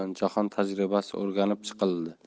oldin jahon tajribasi o'rganib chiqildi